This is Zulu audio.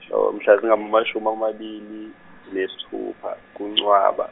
mhla zingamashumi amabili, nesithupha, kuNcwaba.